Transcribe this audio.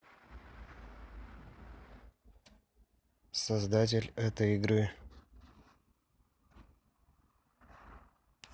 создатель этой игры